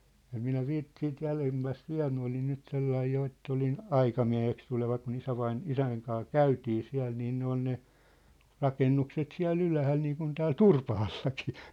en minä - siitä jäljemmästä vielä minä olin nyt sellainen jo että olin aikamieheksi tuleva kun - isän kanssa käytiin siellä niin ne on ne rakennukset siellä ylhäällä niin kuin täällä Turpaallakin